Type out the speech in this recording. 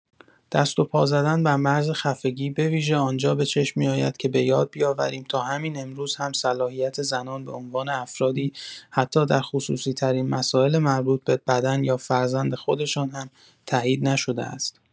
دست و پا زدن بر مرز خفگی به‌ویژه آنجا به چشم می‌آید که بۀاد بیاوریم تا همین امروز هم صلاحیت زنان به عنوان افرادی، حتی در خصوصی‌ترین مسائل مربوط به بدن یا فرزند خودشان هم، تایید نشده است.